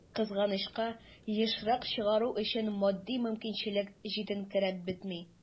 Кызганычка, ешрак чыгару өчен матди мөмкинчелек җитенкерәп бетми.